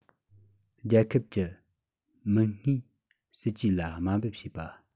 རྒྱལ ཁབ ཀྱི མིག སྔའི སྲིད ཇུས ལ དམའ འབེབས བྱེད པ